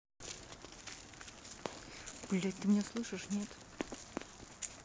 блядь ты меня слышишь нет